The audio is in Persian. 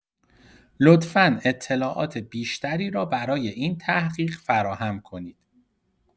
لطفا اطلاعات بیشتری را برای این تحقیق فراهم کنید.